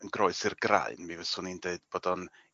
...yn groes i'r graen mi faswn i'n deud bod o'n